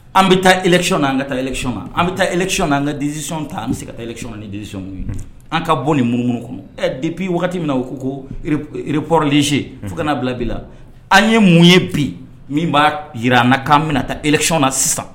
An bɛ taa ekiyon'an ka taa esiyɔn ma an bɛ taa esyon' an ka disi ta an bɛ se ka taa esicɔn ni disi ye an ka bɔ nin munumunu kɔnɔ depi wagati min na o ko koreplensee fo ka n' bila bi la an ye mun ye bi min b'a jira na k'an bɛna taa ekicyon na sisan